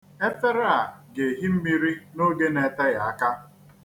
Efere a ga-ehi mmiri n'oge na-eteghi aka.